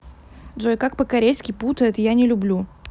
джой как по корейски путает я не люблю